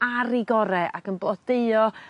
ar 'i gore ac yn blodeuo